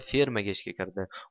fermaga ishga kirdi